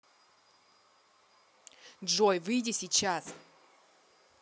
джой выйди сейчас